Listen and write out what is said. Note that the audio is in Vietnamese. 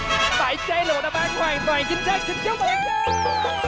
bãi cháy là một đáp án hoàn toàn chính xác xin chúc mừng anh sơn